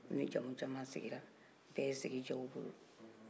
u ni jamu caman sigira o bɛɛ ye sigi kɛ u b'olo